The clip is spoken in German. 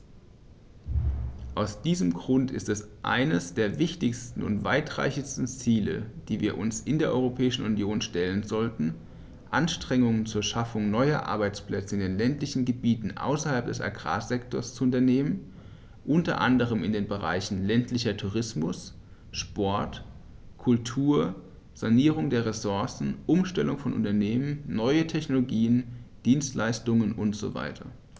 Aus diesem Grund ist es eines der wichtigsten und weitreichendsten Ziele, die wir uns in der Europäischen Union stellen sollten, Anstrengungen zur Schaffung neuer Arbeitsplätze in den ländlichen Gebieten außerhalb des Agrarsektors zu unternehmen, unter anderem in den Bereichen ländlicher Tourismus, Sport, Kultur, Sanierung der Ressourcen, Umstellung von Unternehmen, neue Technologien, Dienstleistungen usw.